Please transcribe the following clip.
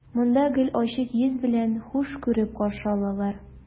Монда гел ачык йөз белән, хуш күреп каршы алалар.